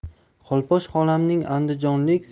xolposh xolamning andijonlik